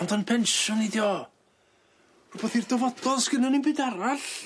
Ond yn pensiwn i di o. Rwbeth i'r dyfodol, sgynnon ni'm byd arall.